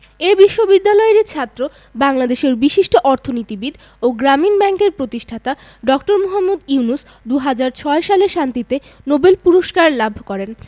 এ বিশ্ববিদ্যালয়েরই ছাত্র বাংলাদেশের বিশিষ্ট অর্থনীতিবিদ ও গ্রামীণ ব্যাংকের প্রতিষ্ঠাতা ড. মোহাম্মদ ইউনুস ২০০৬ সালে শান্তিতে নোবেল পূরস্কার লাভ করেন